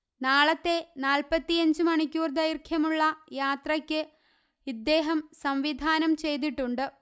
നാളത്തെ നാല്പ്പത്തിയഞ്ച് മണിക്കൂര് ദൈര്ഘ്യമുള്ള യാത്രയ്ക്ക് ഇദ്ദേഹം സംവിധാനം ചെയ്തിട്ടുണ്ട്